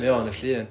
mae o yn y llun